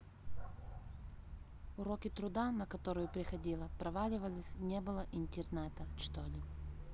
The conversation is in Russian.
уроки труда на которую приходила проваливалась не было интернета что ли